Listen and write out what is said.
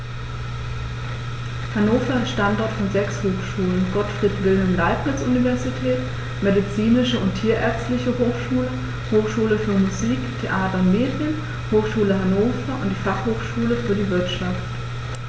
Hannover ist Standort von sechs Hochschulen: Gottfried Wilhelm Leibniz Universität, Medizinische und Tierärztliche Hochschule, Hochschule für Musik, Theater und Medien, Hochschule Hannover und die Fachhochschule für die Wirtschaft.